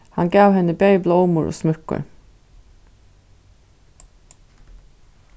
hann gav henni bæði blómur og smúkkur